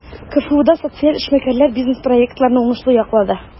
КФУда социаль эшмәкәрләр бизнес-проектларны уңышлы яклады.